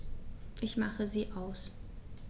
Ich mache sie aus.